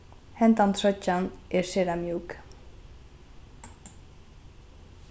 hendan troyggjan er sera mjúk